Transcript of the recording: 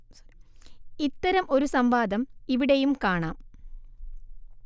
ഇത്തരം ഒരു സം‌വാദം ഇവിടെയും കാണാം